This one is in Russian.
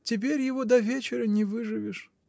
Теперь его до вечера не выживешь!